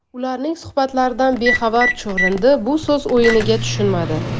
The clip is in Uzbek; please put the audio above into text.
ularning suhbatlaridan bexabar chuvrindi bu so'z o'yiniga tushunmadi